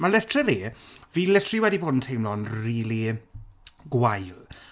Mae literally... fi literally wedi bod yn teimlo'n rili gwael.